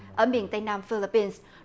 ở miền tây nam phi líp pin